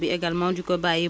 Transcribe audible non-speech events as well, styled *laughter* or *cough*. *hesitation* *hesitation*